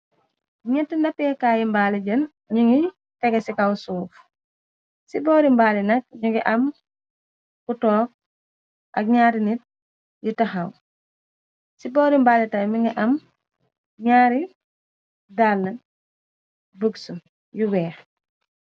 Ñetti napeekaayi mbaali jën ñi ngi tege ci kaw suuf, ci boori mbaal yi nak ñi ngi am ku took ak ñaari nit yi taxaw, ci boori mbaali tam mi ngi am ñaari daala bugsu yu weex.